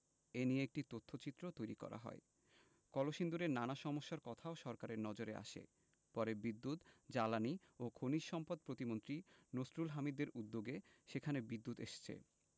এ নিয়ে একটি তথ্যচিত্রও তৈরি করা হয় কলসিন্দুরের নানা সমস্যার কথাও সরকারের নজরে আসে পরে বিদ্যুৎ জ্বালানি ও খনিজ সম্পদ প্রতিমন্ত্রী নসরুল হামিদদের উদ্যোগে সেখানে বিদ্যুৎ এসেছে